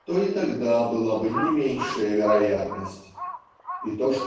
то и тогда была бы не меньшая вероятность. И то